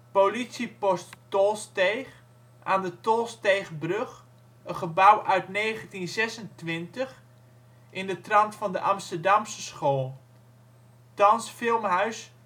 Politiepost Tolsteeg aan de Tolsteegbrug, een gebouw uit 1926 in de trant van de Amsterdamse School. Thans filmhuis